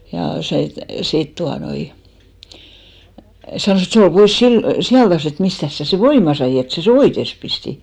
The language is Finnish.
ja se sitten tuota noin sanoi että se oli pois - sijaltansa että mistäs sinä sen voiman sait että sinä sen oites pistit